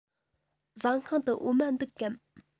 ཟ ཁང དུ འོ མ འདུག གམ